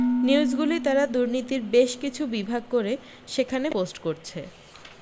নিউজগুলি তারা দুর্নীতির বেশকিছু বিভাগ করে সেখানে পোষ্ট করছে